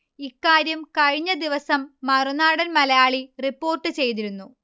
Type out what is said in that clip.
ഇക്കാര്യം കഴിഞ്ഞ ദിവസം മറുനാടൻ മലയാളി റിപ്പോർട്ട് ചെയ്തിരുന്നു